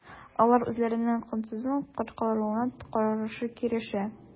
Алар үзләренең канунсыз кыскартылуына каршы көрәшә.